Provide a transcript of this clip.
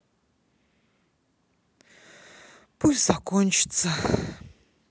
пусть закончится